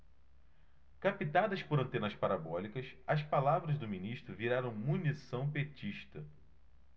captadas por antenas parabólicas as palavras do ministro viraram munição petista